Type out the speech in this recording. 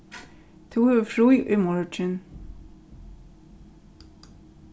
tú hevur frí í morgin